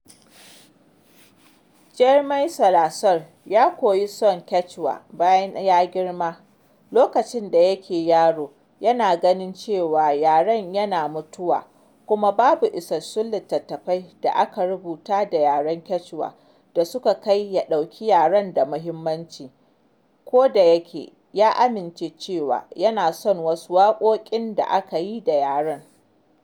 Jaime Salazar ya koyi son Quechua bayan ya girma: lokacin da yake yaro yana ganin cewa yaren yana mutuwa kuma babu isassun littattafai da aka rubuta da yaren Quechua da suka kai ya ɗauki yaren da muhimmanci, ko da yake ya amince cewa yana son wasu waƙoƙin da aka yi da yaren.